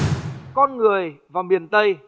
con người và miền tây